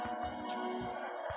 невский девятая серия